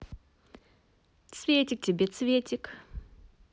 цветик тебе цветик